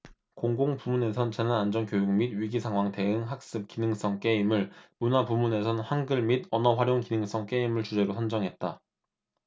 공공 부문에선 재난안전교육 및 위기상황 대응 학습용 기능성 게임을 문화 부문에선 한글 및 언어활용 기능성 게임을 주제로 선정했다